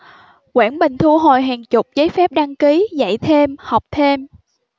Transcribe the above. quảng bình thu hồi hàng chục giấy phép đăng ký dạy thêm học thêm